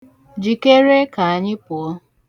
Jikere ka anyị pụọ.